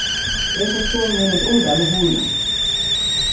eg fekk son mín at umvæla hurðina